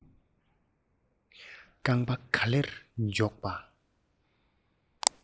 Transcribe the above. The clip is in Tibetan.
རྐང པ ག ལེར འཇོག པ